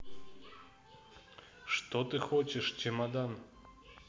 что ты хочешь чемодан